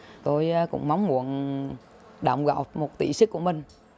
tôi cũng mong muốn đóng góp một tỷ suất của mình